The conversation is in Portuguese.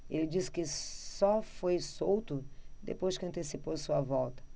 ele disse que só foi solto depois que antecipou sua volta